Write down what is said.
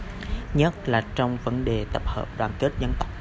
nhất là trong vấn đề tập hợp đoàn kết dân tộc